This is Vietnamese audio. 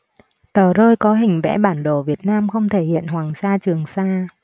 tờ rơi có hình vẽ bản đồ việt nam không thể hiện hoàng sa trường sa